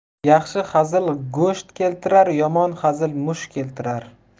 yaxshi hazil go'sht keltirar yomon hazil musht keltirar